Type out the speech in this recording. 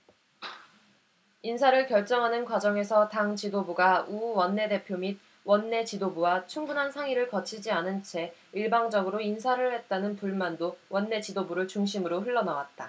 인사를 결정하는 과정에서 당 지도부가 우 원내대표 및 원내지도부와 충분한 상의를 거치지 않은 채 일방적으로 인사를 했다는 불만도 원내지도부를 중심으로 흘러나왔다